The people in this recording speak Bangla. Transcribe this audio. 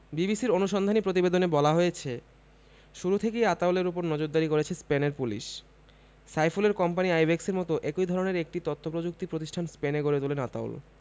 বিবিসির অনুসন্ধানী প্রতিবেদনে বলা হয়েছে শুরু থেকেই আতাউলের ওপর নজরদারি করেছে স্পেনের পুলিশ সাইফুলের কোম্পানি আইব্যাকসের মতো একই ধরনের একটি তথ্যপ্রযুক্তি প্রতিষ্ঠান স্পেনে গড়ে তোলেন আতাউল